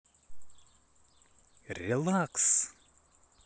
релакс